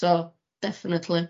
So definately.